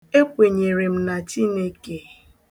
Ekwenyere m na Chineke.